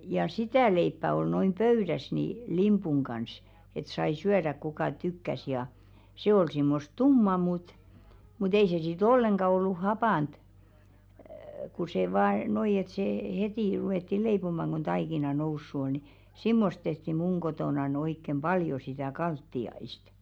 ja sitä leipää oli noin pöydässä niin limpun kanssa että sai syödä kuka tykkäsi ja se oli semmoista tummaa mutta mutta ei se sitten ollenkaan ollut hapanta kun se vain noin että se heti ruvettiin leipomaan kun taikina noussut oli niin semmoista tehtiin minun kotonani oikein paljon sitä kaltiaista